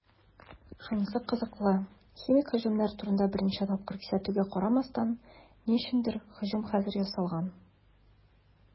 Шунысы кызыклы, химик һөҗүмнәр турында берничә тапкыр кисәтүгә карамастан, ни өчендер һөҗүм хәзер ясалган.